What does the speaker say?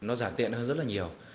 nó giản tiện hơn rất là nhiều